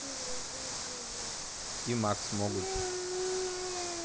и макс могут